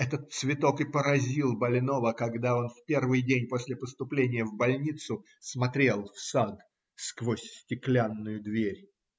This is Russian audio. Этот цветок и поразил больного, когда он в первый день после поступления в больницу смотрел в сад сквозь стеклянную дверь.